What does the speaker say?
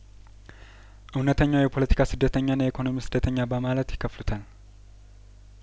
እውነተኛው የፖለቲካ ስደተኛና የኢኮኖሚ ስደተኛ በማለት ይከፍሉታል